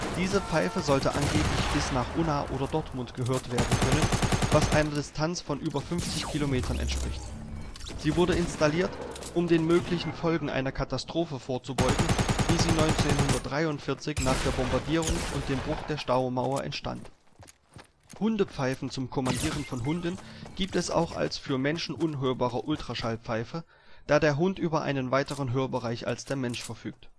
Diese Pfeife sollte angeblich bis nach Unna oder Dortmund gehört werden können, was einer Distanz von über 50 Kilometern entspricht. Sie wurde installiert, um den möglichen Folgen einer Katastrophe vorzubeugen, wie sie 1943 nach der Bombardierung und dem Bruch der Staumauer entstand. Hundepfeifen zum Kommandieren von Hunden gibt es auch als für Menschen unhörbare Ultraschallpfeife, da der Hund über einen weiteren Hörbereich als der Mensch verfügt